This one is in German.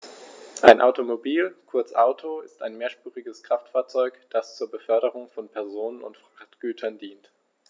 Ein Automobil, kurz Auto, ist ein mehrspuriges Kraftfahrzeug, das zur Beförderung von Personen und Frachtgütern dient.